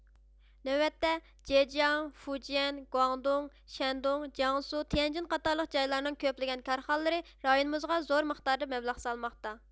نۆۋەتتە جېجياڭ فۇجيەن گۇاڭدۇڭ شەندۇڭ جياڭسۇ تيەنجىن قاتارلىق جايلارنىڭ كۆپلىگەن كارخانىلىرى رايونىمىزغا زور مىقداردا مەبلەغ سالماقتا